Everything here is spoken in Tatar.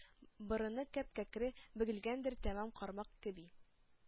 Борыны кәп-кәкре — бөгелгәндер тәмам кармак кеби;